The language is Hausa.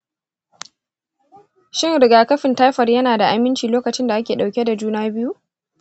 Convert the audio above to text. shin rigakafin taifod yana da aminci lokacin da ake ɗauke da juna biyu?